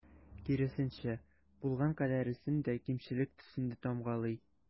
Киресенчә, булган кадәресен дә кимчелек төсендә тамгалый.